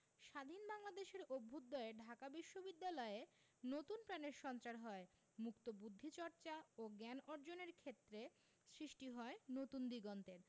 স্বাধীন বাংলাদেশের অভ্যুদয়ে ঢাকা বিশ্ববিদ্যালয়ে নতুন প্রাণের সঞ্চার হয় মুক্তবুদ্ধি চর্চা ও জ্ঞান অর্জনের ক্ষেত্রে সৃষ্টি হয় নতুন দিগন্তের